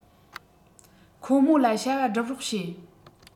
ཁོ མོ ལ བྱ བ བསྒྲུབས རོགས བྱེད